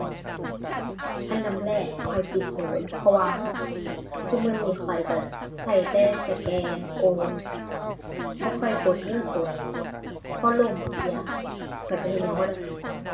อันดับแรกค่อยสิสูน เพราะว่าซุมื้อนี้ข้อยก็ก็แต่สแกน โอน บ่ค่อยกดเงินสด พอล่มเที่ยข้อยก็เฮ็ดหยังบ่ได้